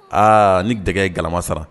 Aa ne dɛgɛ ye galama sara